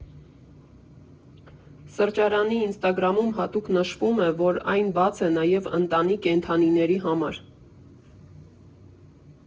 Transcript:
Սրճարանի ինստագրամում հատուկ նշվում է, որ այն բաց է նաև ընտանի կենդանիների համար։